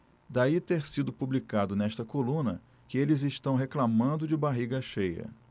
daí ter sido publicado nesta coluna que eles reclamando de barriga cheia